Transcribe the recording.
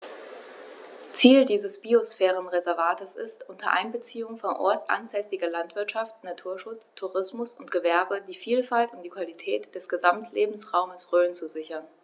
Ziel dieses Biosphärenreservates ist, unter Einbeziehung von ortsansässiger Landwirtschaft, Naturschutz, Tourismus und Gewerbe die Vielfalt und die Qualität des Gesamtlebensraumes Rhön zu sichern.